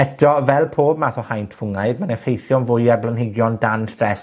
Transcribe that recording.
Eto, fel pob math o haint ffwngaidd, ma'n effeithio'n fwy ar blanhigion dan stress.